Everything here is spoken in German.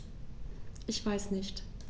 Ich weiß nicht.